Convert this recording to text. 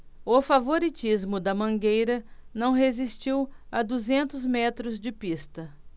o favoritismo da mangueira não resistiu a duzentos metros de pista